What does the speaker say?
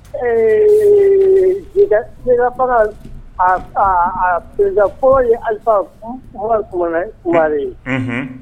Ee sen fo ni alifa tumaumanari ye